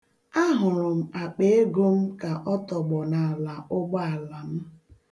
Ahụrụ m akpaego m ka ọ tọgbọ n’ala ụgbọala m